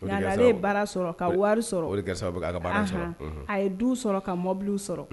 Ale ye baara sɔrɔ ka wari sɔrɔ o ka baara sɔrɔ a ye du sɔrɔ ka mɔbili sɔrɔ